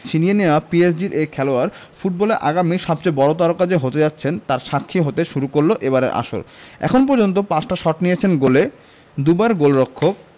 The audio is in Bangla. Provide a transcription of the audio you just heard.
ছিনিয়ে নেওয়া পিএসজির এই খেলোয়াড় ফুটবলে আগামীর সবচেয়ে বড় তারকা যে হতে যাচ্ছেন তার সাক্ষী হতে শুরু করল এবারের আসর এখন পর্যন্ত ৫টি শট নিয়েছেন গোলে দুবার গোলরক্ষক